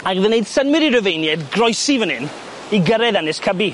ag iddi neud symud i'r Rufeiniaid groesi fan 'yn i gyrredd Ynys Cybi.